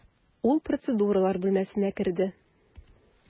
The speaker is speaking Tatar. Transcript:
Ул процедуралар бүлмәсенә керде.